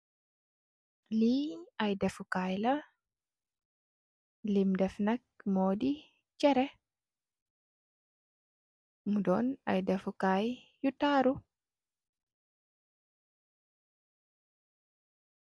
Li ay defukai la lim dèf nak mó di chereh. Mo doon ay defukai yu taaru.